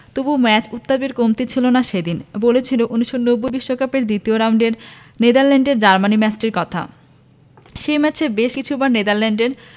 তবু ম্যাচে উত্তাপের কমতি ছিল না সেদিন বলছি ১৯৯০ বিশ্বকাপের দ্বিতীয় রাউন্ডের নেদারল্যান্ডস জার্মানি ম্যাচটির কথা সে ম্যাচে বেশ কিছুবার নেদারল্যান্ডের